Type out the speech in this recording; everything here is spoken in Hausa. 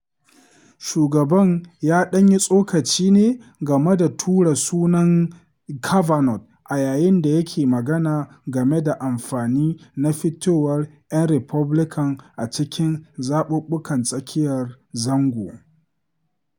Shugaban ya ɗan yi tsokaci ne game da tura sunan Kavanaugh a yayin da yake magana game da amfani na fitowar ‘yan Republican a cikin zaɓuɓɓukan tsakiyar zango.